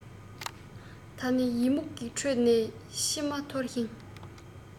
ད ནི ཡི མུག གི ཁྲོད ནས མཆི མ གཏོར ཞིང